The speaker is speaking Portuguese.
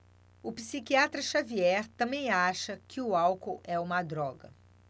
o psiquiatra dartiu xavier também acha que o álcool é uma droga